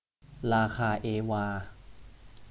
ราคาเอวา